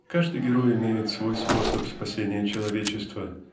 Каждый герой имеет свой способ спасения человечества